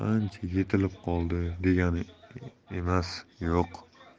ancha yetilib qoldi' degani emas yo'q